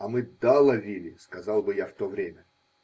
(А мы "да" ловили, сказал бы я в то время).